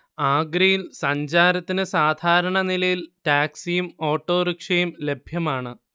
ആഗ്രയിൽ സഞ്ചാരത്തിന് സാധാരണ നിലയിൽ ടാക്സിയും ഓട്ടോറിക്ഷയും ലഭ്യമാണ്